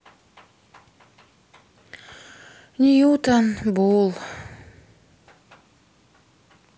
ньютон бул